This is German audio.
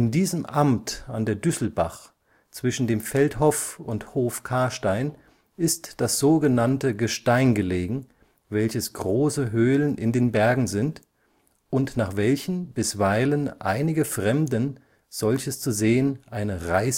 diesem Ambt an der Düsselbach, zwischen dem feldhoff und hof Karstein ist das so genandte Gestein gelegen (welches Grose höhlen in den bergen sindt) und nach welchen bißweilen einige frembden, solches zu sehen, eine reiße